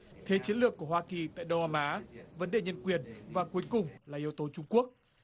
thế chiến lược của hoa kỳ tại đông nam á vấn đề nhân quyền và cuối cùng là yếu tố trung quốc